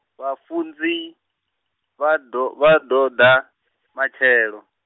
vhafunzi, vha ḓo, vha ḓo da, matshelo.